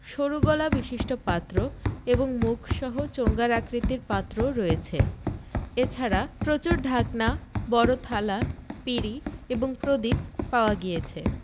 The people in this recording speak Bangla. সরু গলা বিশিষ্ট পাত্র এবং মুখসহ চোঙার আকৃতির পাত্রও রয়েছে এছাড়া প্রচুর ঢাকনা বড় থালা পিঁড়ি এবং প্রদীপ পাওয়া গিয়েছে